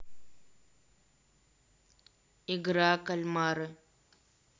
игра кальмары